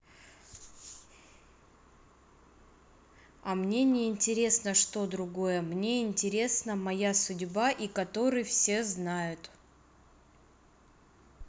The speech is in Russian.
а мне неинтересно что другое мне интересна моя судьба и который все знают